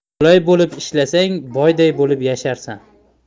qulday bo'lib ishlasang boyday bo'lib yasharsan